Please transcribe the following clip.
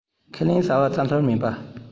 ཁས ལེན བྱ བ བཙལ འཚོལ མིན པ